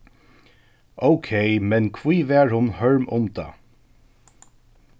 ókey men hví var hon hørm um tað